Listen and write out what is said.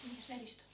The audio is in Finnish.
minkäs väristä on